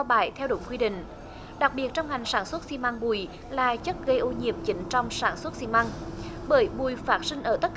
bãi theo đúng quy định đặc biệt trong ngành sản xuất xi măng bụi là chất gây ô nhiễm chính trong sản xuất xi măng bởi bụi phát sinh ở tất